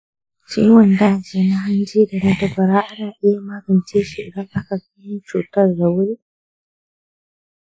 ciwon daji na hanji dana dubura ana iya maganceshi idan aka gano cutar da wuri?